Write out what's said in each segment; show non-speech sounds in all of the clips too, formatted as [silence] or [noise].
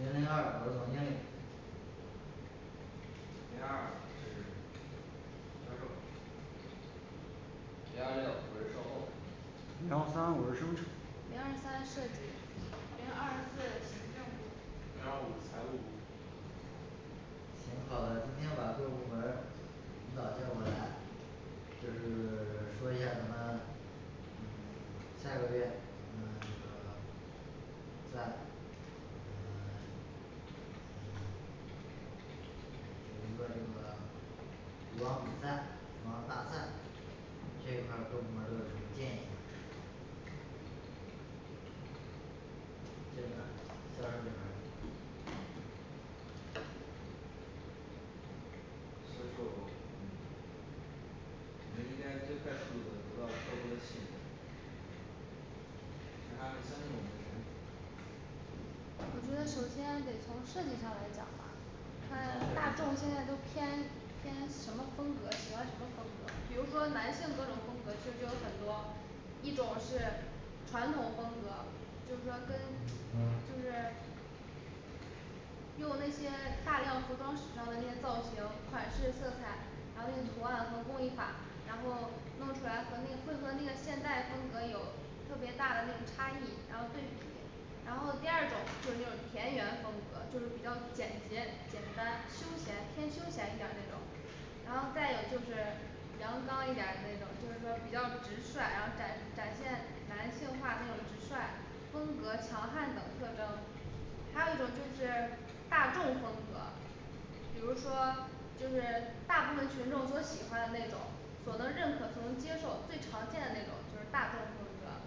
零零二我是总经理零二二我是销售零二六我是售后零幺三我是生产零二三设计零二四行政部零二五财务部行好的今天把各部门儿领导叫过来就是 [silence] 说一下咱们嗯 [silence] 下个月咱这个比赛嗯 [silence] 嗯 [silence] 嗯 [silence] 有一个这个服装比赛服装大赛这一块儿各部门儿都有什么建议呢这边儿销售这边儿销售我们应该最快速度的到客户的信任让他们相信我们的产品我觉得首先得从设计上来讲吧嗯看那大设众计现在都讲讲偏偏什么风格喜欢什么风格比如说男性各种风格其实就有很多一种是传统风格儿就是说跟就是用那些大量服装史上的一些造型款式色彩然后就是图案嗯和工艺法然后弄出来和那 [unintelligible] 会和那个现代风格有特别大的那种差异然后对比然后第二种就是那种田园风格就是比较简洁简单休闲偏休闲一点儿那种然后再有就是阳刚一点儿的那种就是说比较直率然后展展现男性化那种直率风格强悍等特征还有一种就是大众风格儿比如说就是大部分群众所喜欢的那种所能认可能和接受最常见的那种就是大众风格儿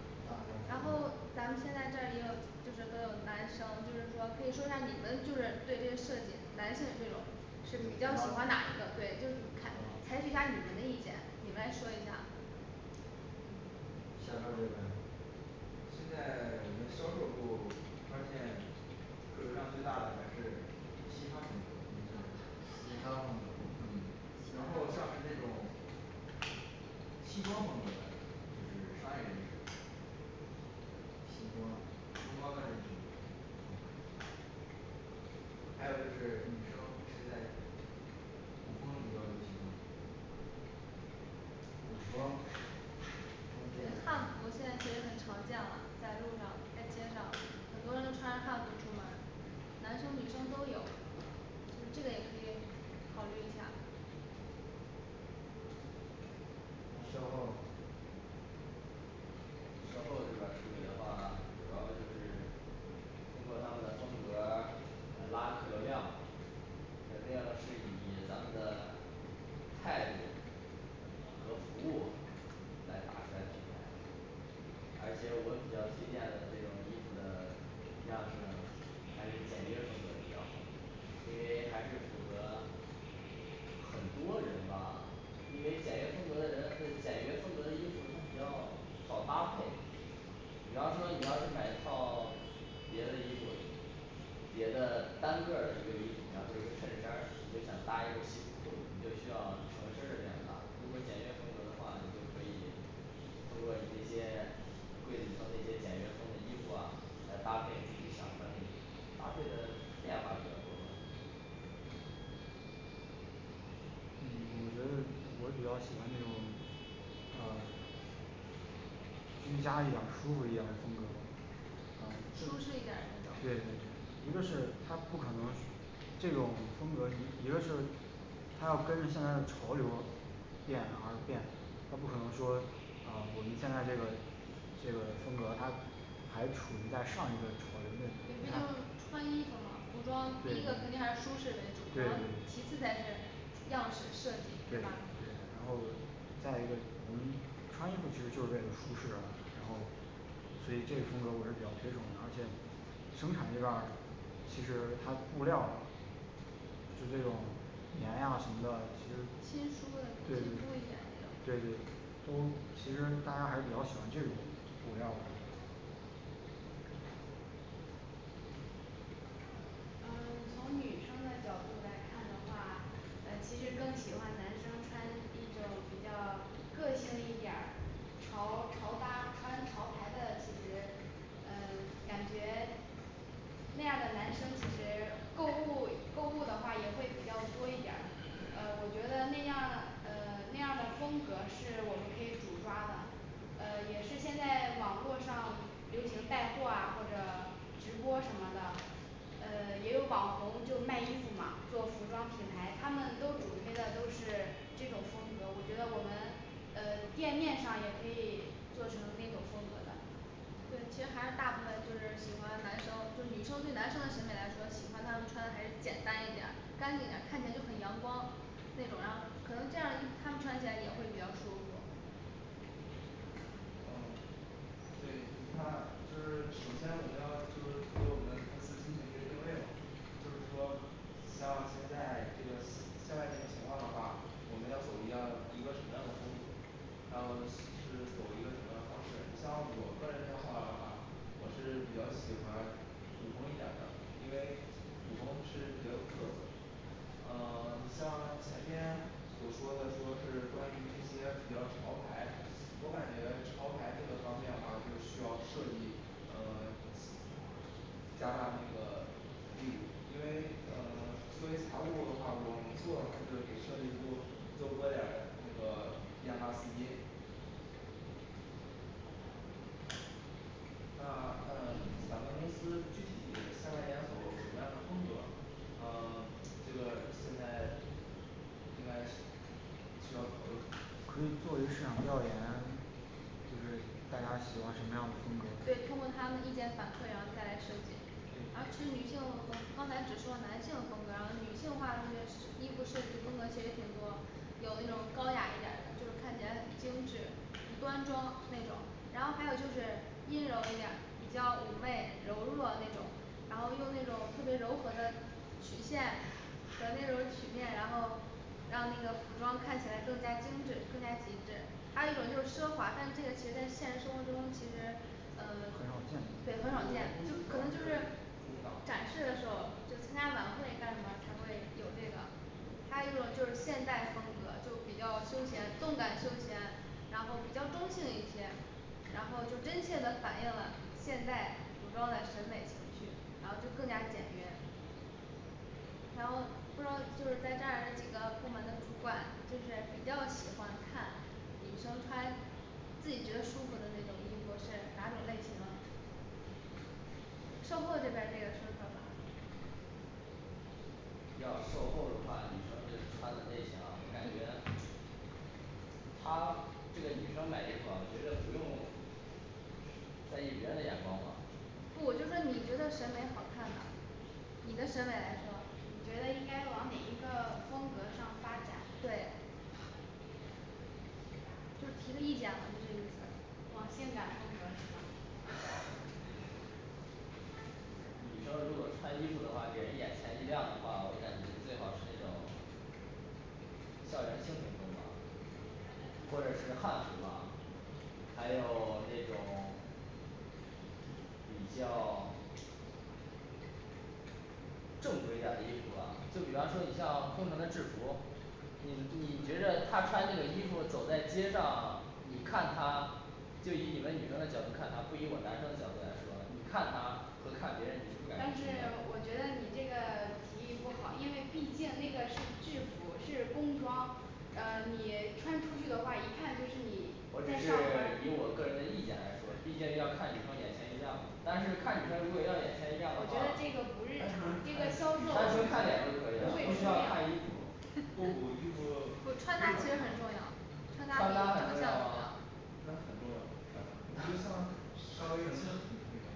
大然众啊后咱们现在在也有就是嗯男生就是说可以说下你们就是对这些设计男性这种是比较喜欢哪个对采嗯采取下你们的意见你们来说一下儿嗯销售这边儿现在我们销售部发现客流量最大的还是嘻哈风格年轻人嘻的哈风嗯格然后像是这种西装风格的就是商业人士西装中高端人群还有就是女生现在古风比较流行嘛古风汉服古风现这个在其实很常见啦在路上在街上很多人穿汉服出门儿男生女生都有就这个也可以考虑一下儿嗯售后售后这边儿处理的话主要就是通过他们的风格儿来拉客流量肯定是以咱们的态度和服务来打出来品牌而且我比较推荐的这种衣服的样式啊还是简约风格比较好因为还是符合很多人吧因为简约风格的人嗯简约风格的衣服它比较好搭配比方说你要是买一套别的衣服别的单个儿的一个衣服比方说一个衬衫儿你就想搭一个西服裤子你就需要成身儿的这样搭如果简约风格的话你就可以通过你那些柜子里头那些简约风的衣服啊来搭配自己想穿的衣服搭配的变化比较多嗯我觉得我比较喜欢那种啊居家一点儿舒服一点儿的风格啊这舒适一点的对那对种对一个是它不可能这种风格儿一一个是它要跟着现在的潮流儿变而变它不可能说啊我们现在这个这个风格它还处于在上一个潮流那不就太像对对穿衣对服呢服装第对对一个肯定对还是舒适为主然后其次才是样式设计对对吧然后再一个我们穿衣服其实就是为了舒适啊然后所以这个风格我是比较推崇搭配的生产这边儿其实它布料儿就这种绵呀什么的其实贴对肤对一点的那种对对都其实大家还是比较喜欢这种面料儿的嗯 [silence] 从女生的角度来看的话嗯其实更喜欢男生穿一种比较个性一点儿潮潮搭穿潮牌的其实嗯感觉那样儿的男生其实购物购物的话也会比较多一点儿嗯我觉得那样儿嗯那样儿的风格是我们可以主抓的嗯也是现在网络上流行带货啊或者直播什么的嗯也有网红就卖衣服嘛做服装品牌他们都主推的都是这种风格我觉得我们嗯店面上也可以做成那种风格的对其实还是大部分就是喜欢男生就女生对男生的审美来说喜欢他们穿还是简单一点儿干净一点儿看起来就很阳光那种然后可能这样他们看起来也会比较舒服。对你看就是首先我们要就是给我们公司进行的一个定位嘛就是说像现在这个下半年情况的话我们要走一个一个什么样的风格然后是走一个什么样的方式像我个人的话我是比较喜欢古风一点儿的因为古风是很特色嗯 [silence] 你像前面所说的这都是关于那些比较潮牌我感觉潮牌这个方面的话就需要设计这方面加大那个力度因为嗯作为财务的话我能做的话就是给设计部多拨点儿那个研发资金那嗯咱们公司具体下半年要走什么样的风格啊 [silence] 这个现在应该是需要讨可论以出作为来市场调研就是大家喜欢什么样的风格儿对通过他们意见反馈然后再来设计而且女性呃刚才只说了男性风格啦女性话就是一些衣服设计风格其实也挺多有那种高雅一点儿的就是看起来很精致很端庄那种然后还有就是阴柔一点儿比较妩媚柔弱那种然后用那种特别柔和的曲线和那种曲面然后让那个古装看起来更加精致更加极致还有一种就是奢华但是这个其实在现实生活中其实嗯很少对很见啊少见就可能就是展示的时候就参加晚会干什么才会有这个还有一种就是现代风格就比较休闲动感休闲然后比较中性一些然后就真切地反映了现代服装的审美情趣然后就更加简约然后说到就是在这儿这几个部门的主管就是比较喜欢看女生穿自己觉得舒服的那种衣服是哪种类型售后这边儿这个说说吧要售后的话女生是穿的类型啊我感觉她这个女生买衣服啊我觉得不用在意别人的眼光嘛不我就说你觉得审美好看你的审美来说你觉得应该往哪一个风格上发展对就提个意见就是往性感风格儿是吗女生如果穿衣服的话给人眼前一亮的话我感觉最好是那种校园清纯风吧或者是汉服吧还有那种比较正规点儿的衣服吧就比方说你像空乘的制服你你觉着她穿那个衣服走在街上你看她就以你们女生的角度看她不以我男生的角度来说你看她和看别人你是不但感是兴我觉趣得你这个提议不好因为毕竟那个是制服是工装嗯 [silence] 你穿出去的话一看就是你我只在是上班以我儿个人的意见来说毕竟要看女生眼前一亮但是看女生如果要眼前一亮我的觉得话这个不正常这你个销售单 [unintelligible] 纯看脸就可以了不需要看衣服复古衣服我非穿搭常其实重也很重要要穿搭很重要吗 [noise] 那很重要你就穿搭很重要像你像你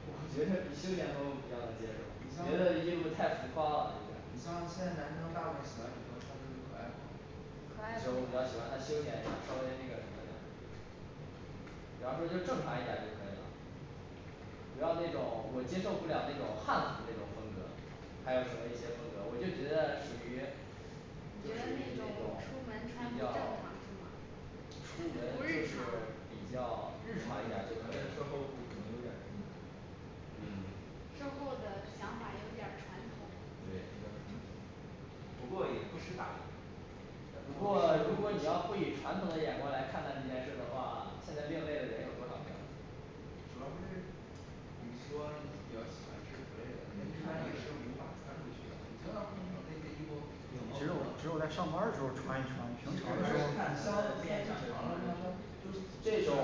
我觉着休闲风比较能接受别的衣服太浮夸啦有点儿 [noise] 像现在男生大部分喜欢女生穿就是可爱风不可爱是我比较喜欢风她休闲一点儿稍微那个什么点儿比方说就正常一点儿就可以了不要那种我接受不了那种汉服那种风格还有什么一些风格我就觉得属于你就觉得属于那那种种出门穿不比正较常是吗就是比较日咱常一们点儿售就可以后部可能有了点直男售后的想法有点儿传统对比较传统不过也不是吧不过如果你要不以传统的眼光来看待这件事儿的话现在另类的人有多少个总之你说你这款式你这个你看上去你是无法穿出去的未必通过对只有只有在上班儿的时候儿穿一穿平常的时候儿这种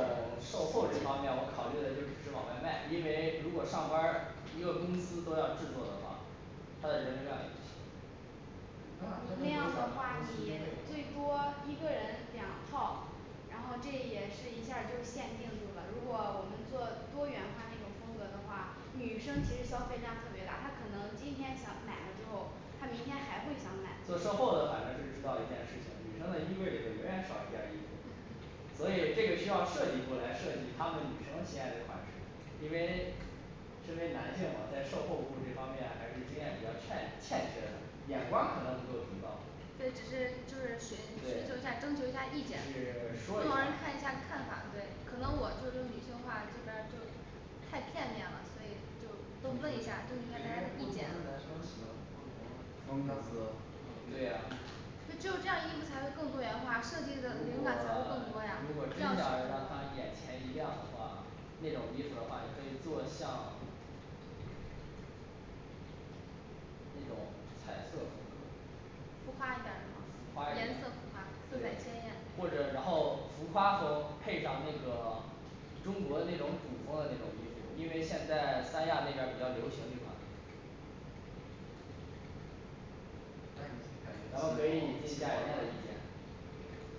售后这方面儿我考虑的就只是往外卖因为如果上班儿一个公司都要制作的话他的人流量也不行你那样的话你最多一个人两套然后这也是一下儿就限定住了如果我们做多元化那种风格的话女生其实消费量特别大她可能今天想买了之后她明天还会想买做售后的反正是知道一件事情女生的衣柜里就永远少一件儿衣服所以这个需要设计部来设计他们女生心爱的款式因为身为男性吗在售后部这方面还是经验比较欠欠缺的眼光儿可能不够独到这只是就是寻征求征对求一下只是意见说找人看一一下儿下看法对可能我就是女性化这边儿就太片面了所以就都问一下儿对应该不同的问一下大家意见男生喜欢不风同格样子儿对呀如果它如就这样一才更多元化设计的肯定卖的才会更多呀果真想让它眼前一亮的话那种衣服的话你可以做像那种彩色风格浮夸一点儿是吗浮夸一点儿颜色浮夸很对鲜或艳者然后浮夸风配上那个中国那种古风的那种衣服因为现在三亚那边儿比较流行这款咱们可以引进一下人家的意见。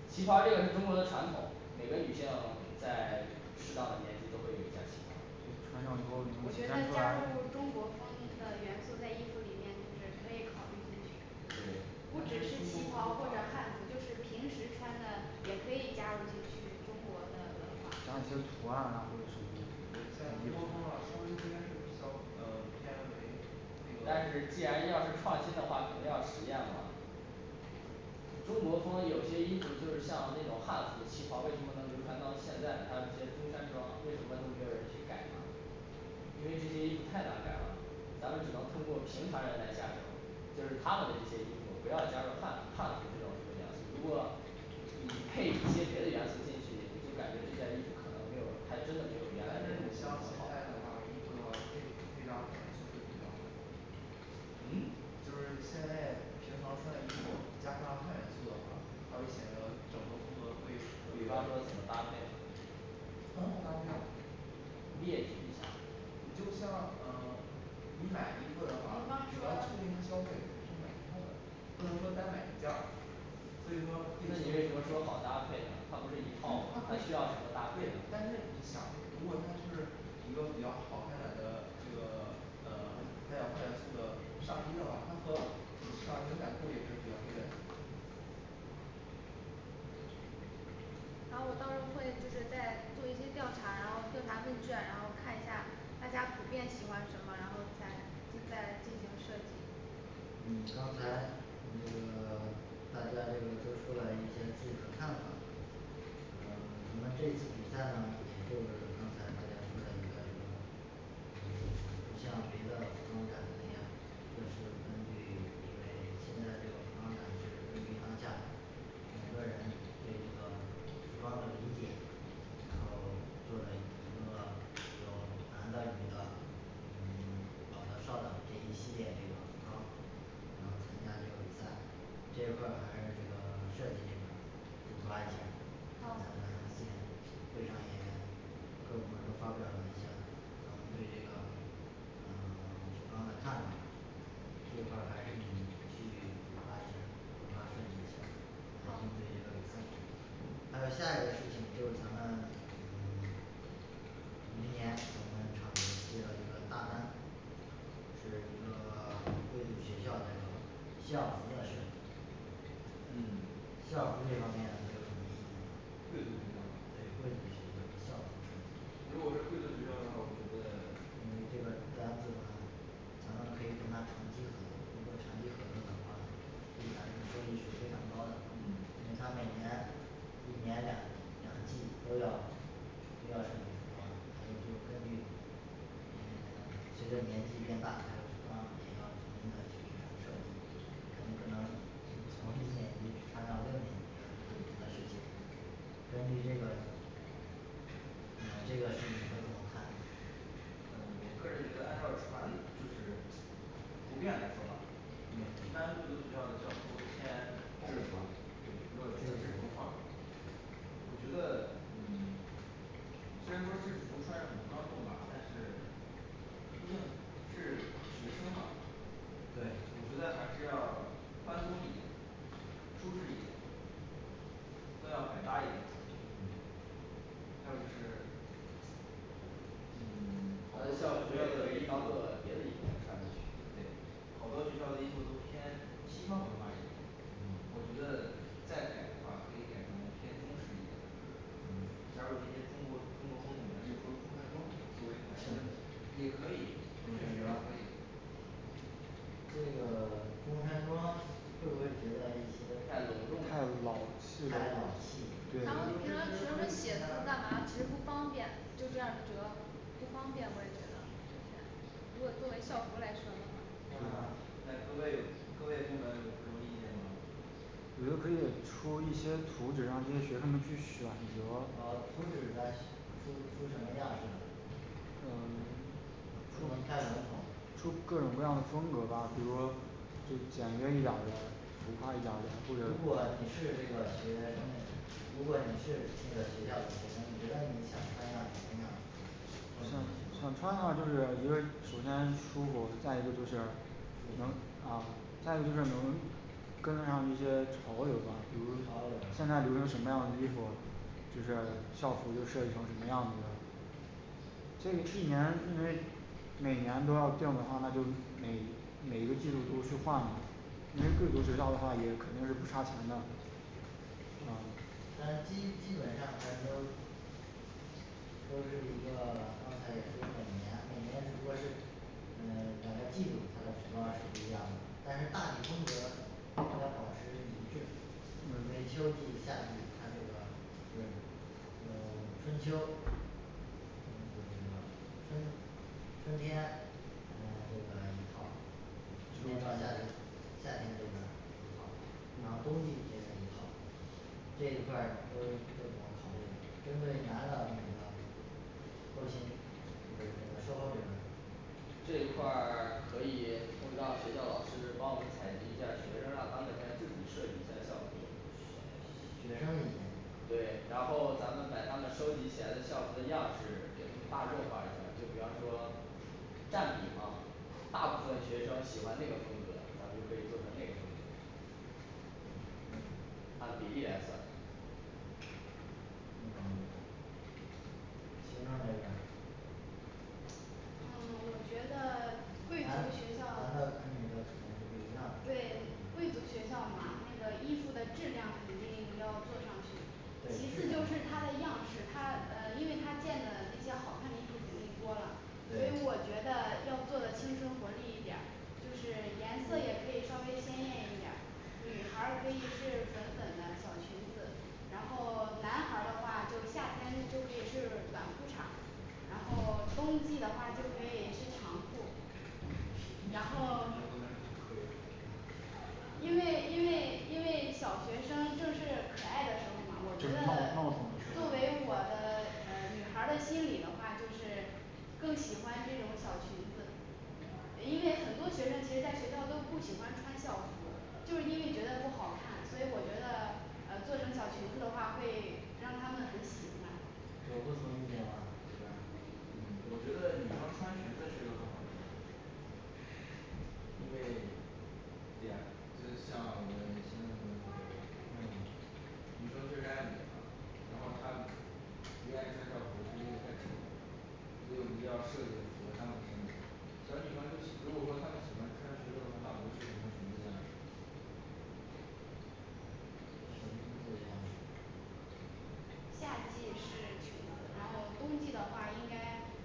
旗袍这个是中国的传统每个女性在适当的年纪都会有一件儿旗袍就穿我觉得上加之入中国后风的元素在衣服里面就是可以考虑进去。对不咱这只是中旗国袍或风者的话汉服就是平时穿的也可以加入进去中国的画一些文图化案啊或者什像么中国风啊稍微应该是比较啊偏了那但是个既然要是创新的话肯定要实验吧中国风有些衣服就是像那种汉服旗袍为什么能流传到现在呢还有一些中山装为什么都没有人去改呢因为这些衣服太难改了咱们只能通过平常人来下手就是他们的这些衣服不要加入汉汉服这种什么元素如果你配一些别的元素进去就感觉这件儿衣服可能没有还真的没有你原来那种像现好在看的话这个会会搭配就是比较嗯就是现在平常穿的衣服穿上太热了而且呢整个可能会特别比方说怎么搭配列举一下你就像嗯你买衣服的话比方说消费出去或者不能说单买一件儿所以说那你为什么说好搭配呢它不是一套吗它需要什么搭配呢但是你想如果它是一个比较潮牌的这个嗯在我看这个上衣的话这个上衣采购也是比较贵的然后我到时候会就是再做一些调查然后调查问卷然后看一下大家普遍喜欢什么然后再就再进行设计嗯刚才嗯那个 [silence] 大家这个都说了一些自己的看法嗯 [silence] 可能这次比赛呢也就是刚才咱们说的一个什么嗯 [silence] 像别的服装展厅一样这是根据因为现在这个服装展是比比上下每个人对这个服装的理解然后做了一个有男的女的嗯 [silence] 老的少的这一系列这个服装然后现在呢在这一块儿还是这个设计这边儿得抓紧因为咱们好这非常严各部门儿都发表一下儿咱们对这个嗯 [silence] 服装的看法儿这一块儿还是你去表达一下儿服装设计一下儿还有那个跟好还有下一个事情就是咱们嗯明年咱们厂子接到一个大单是一个贵族学校的一个校服儿的设计嗯校服这方面都有什么意见呢贵对族学校吗贵族学校一个校服设计如果是贵族学校的话我觉得因为这个单子嘛咱们可以跟他长期合作如果长期合作的话对咱这个收益是非常高的因为他每年一年两两季都要都要设计服装还有就根据嗯随着年纪变大他这服装也要重新的去给他设计肯定不能从一年级穿到六年级对这是对不可能对的事情对对根据这个嗯这个事你们都怎么看嗯嗯我个人觉得按照传就是普遍来说吧每一般贵族学校的校服都偏欧制美服化对都是偏制服化我觉得嗯虽然说制服穿着很庄重吧但是毕竟是学生嘛我对觉得还是要宽松一点舒适一点更要百搭一点嗯还有就是嗯他的校服也可以当做别的衣服穿出去对好多学校的衣服都偏西方文化一点我觉得再改的话可以改成偏中式一点的中加入式一些中国中国风的中山比元素如说装中山作为装请男性也可以确中实也可山以装这个中山装会不会觉得一些太隆重太太老老气气了他对们平常你要是写字干嘛是不方便就这样折不方便我也觉得如果作为校服来说的话那那各位有各位部门有什么意见吗我觉得可以出一些图纸让这些学生们去选啊择图纸咱出出什么样式呢？嗯不能太笼统说各种各样的风格吧比如说就简约一点儿的浮夸一点儿的或者如果你是这个学生如果你是这个学校的学生你觉得你想穿上什么的这潮流我想想穿的话就是就是首先是舒服再一个就是能啊再一个就是能跟上一些潮流嘛比如现在流行什么样的衣服就是校服设计成什么样子这一年因为每年都要订的话那就每每个季度都去换嘛因为贵族学校的话也可能是不差钱的嗯但基基本上还是都都是一个刚才也说每年每年只不过是嗯两个季度它的服装是不一样的但是大体风格要保持一致为秋嗯季夏季他这个不是呃春秋不是这个春春天嗯这个一套春天到夏天夏天这边儿一套然后冬季这个一套这一块儿都都怎么考虑的，针对男的女的后勤不是售后这边儿这一块儿可以通知到学校老师帮我们采集一下儿学生让他们先自己设计一下校服学生意见对然后咱们把他们收集起来的校服的样式给他们大众化一下儿就比方说占比嘛大部分学生喜欢那个风格咱们就可以做成那个风格按比例来算嗯 [silence] 行政这边儿嗯 [silence] 我觉得贵男族男的的学校和女的肯定是不一样的对贵族学校嘛那个衣服的质量肯定要做上去对其质次量就方面是它的样式它嗯因为他见的那些好看的衣服肯定多啦所以我对觉得要做的青春活力一点儿就是颜色也可以稍微鲜艳一点儿女孩儿可以是粉粉的小裙子然后男孩儿的话就夏天就可以是短裤衩儿然后冬季的话就可以是长裤儿然后因为因为因为小学生正是可爱的时候儿嘛我觉整套得套服吗作觉得为我的嗯女孩儿的心理的话就是更喜欢这种小裙子因为很多学生其实在学校都不喜欢穿校服就是因为觉得不好看所以我觉得嗯做成小裙子的话会让他们很喜欢有不同意见吗你觉得嗯我觉得女生穿裙子是个是因为这样就像我们的嗯女生就是爱美吗然后她应该涉及到零用钱所以我们就要设立一个组织办公室但是她就喜如果她们喜欢穿裙子的话会对我们敏感夏季是嗯 [silence] 冬季的话应该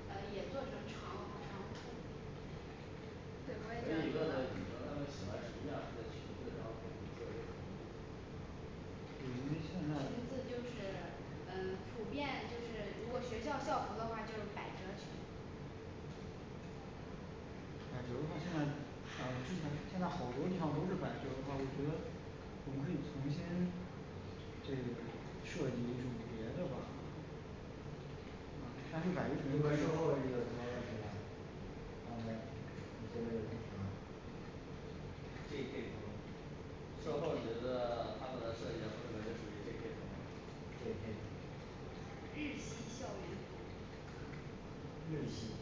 呃也做成长长裤可以问问就她们喜欢什么样式的裙子然后给它做一个统一就是因为现裙在子就是嗯普遍就是如果学校校服的话就是百褶裙百褶的话现在嗯基本现在好多地方都是百褶的话，我觉得我们可以重新这个设计这种别的款但是改制成一个售后是有什么问题吗刚才你这边儿有问题吗借给我们售后觉得他们的设计的风格儿就属于J K风 J K风日系校园风日系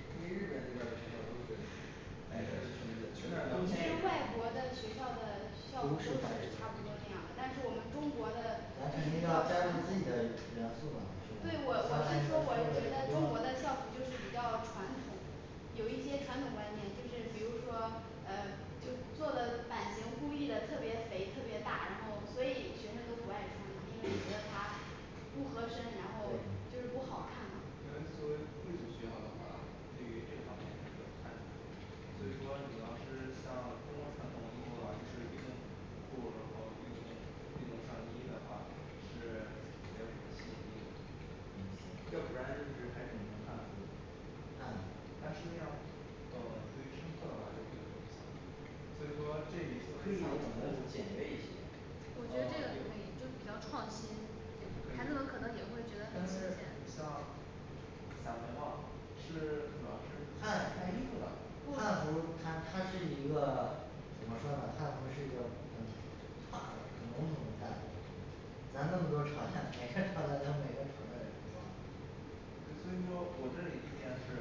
因为日本那边儿的学百校都是褶裙女生其是实裙子外国就的算学是校冬的天校也服都是是裙子差不百多褶那样儿的裙但是我们中国的就咱一是定比要较加入传自己的统元素啊是吧对我我是说我是觉得中国的校服就是比较传统有一些传统观点就是比如说嗯就做了版型故意的特别肥特别大然后所以学生都不爱穿因为觉得他不合身然后就对是不好看因为作为贵族学校的话对于这方面还是比较看的重的所以说你要是像中国传统衣钵啊就是运动裤然后运动上衣的话是没有什么吸引力的要不然就是还整成汉服汉服但是那样所以说这里是可以整的简约一些我觉得这个啊就比较创新孩子们可可以能也会觉得很但新是鲜你像咱们嘛是啊是汉改衣服了服汉服它它是一个怎么说呢汉服是很大的嗯笼统一下儿咱那么多厂家每个厂子咱们每个厂子都有就所以说不是一件事